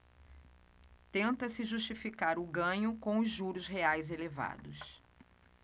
tenta-se justificar o ganho com os juros reais elevados